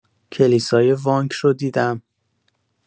کلیسای وانک رو دیدم.